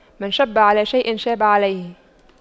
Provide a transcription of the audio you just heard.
من شَبَّ على شيء شاب عليه